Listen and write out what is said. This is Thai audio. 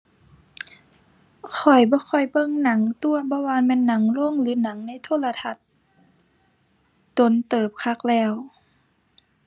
ข้อยบ่ค่อยเบิ่งหนังตั่ว บ่ว่าแม่นหนังโรงหรือหนังในโทรทัศน์ โดนเติบคักแล้ว